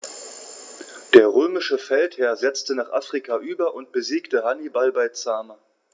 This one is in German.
Der römische Feldherr setzte nach Afrika über und besiegte Hannibal bei Zama.